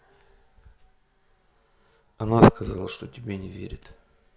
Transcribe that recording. она сказала что тебе не верит